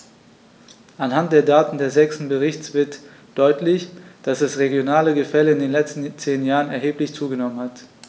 Anhand der Daten des sechsten Berichts wird deutlich, dass das regionale Gefälle in den letzten zehn Jahren erheblich zugenommen hat.